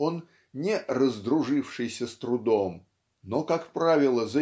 он -- не "раздружившийся с трудом". Но как правило